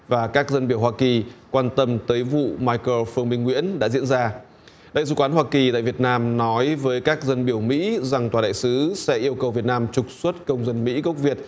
và các dân biểu hoa kỳ quan tâm tới vụ mai cờ phương minh nguyễn đã diễn ra đại sứ quán hoa kỳ tại việt nam nói với các dân biểu mỹ rằng tòa đại sứ sẽ yêu cầu việt nam trục xuất công dân mỹ gốc việt